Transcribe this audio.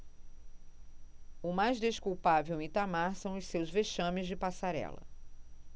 o mais desculpável em itamar são os seus vexames de passarela